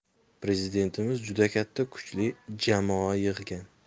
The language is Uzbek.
prezidentimiz juda katta kuchli jamoa yig'gan